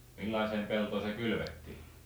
millaiseen peltoon se kylvettiin